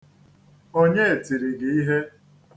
Onye tiri gị ihe?